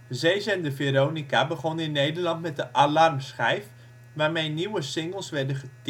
Zeezender Veronica begon in Nederland met de Alarmschijf, waarmee nieuwe singles werden